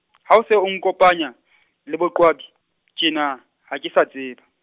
ha o se o nkopanya, le boQwabi, tjena, ha ke sa tseba.